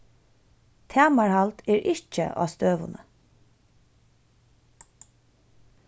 tamarhald er ikki á støðuni